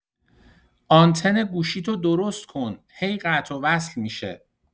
آنتن گوشیتو درست کن، هی قطع و وصل می‌شه.